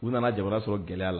U nana jamana sɔrɔ gɛlɛya la